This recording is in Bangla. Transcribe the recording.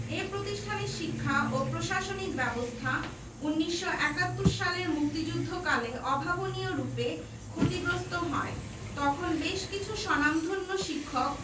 এ প্রতিষ্ঠানের শিক্ষা ও প্রশাসনিক ব্যবস্থা ১৯৭১ সালের মুক্তিযুদ্ধকালে অভাবনীয়রূপে ক্ষতিগ্রস্ত হয় তখন বেশ কিছু স্বনামধন্য শিক্ষক